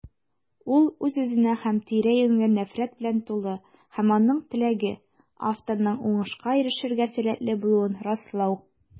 Ул үз-үзенә һәм тирә-юньгә нәфрәт белән тулы - һәм аның теләге: авторның уңышка ирешергә сәләтле булуын раслау.